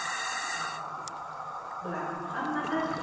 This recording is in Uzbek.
va hokazo